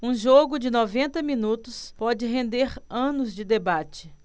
um jogo de noventa minutos pode render anos de debate